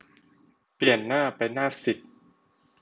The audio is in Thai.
เปลี่ยนหน้าไปหน้าสิบ